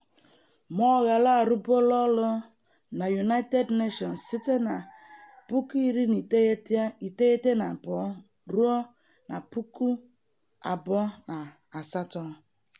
Moghalu arụbuola ọrụ na United Nations site na 1992 ruo 2008.